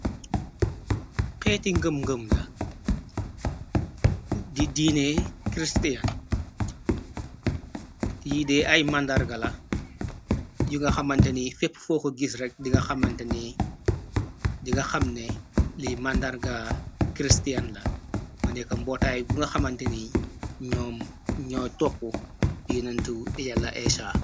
Xeeti ngëm-ngëm la di diinee christian yi dee ay màndarga la yu nga xamante ni fépp fooku gis rek dinga xamne li màndarga christian la mëneeka mbootaay bu nga xamanteni ñoo ñooy topp yenantu yala esa.